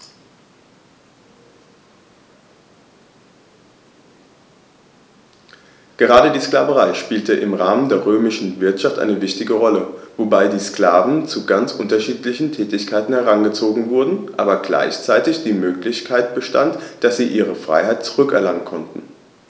Gerade die Sklaverei spielte im Rahmen der römischen Wirtschaft eine wichtige Rolle, wobei die Sklaven zu ganz unterschiedlichen Tätigkeiten herangezogen wurden, aber gleichzeitig die Möglichkeit bestand, dass sie ihre Freiheit zurück erlangen konnten.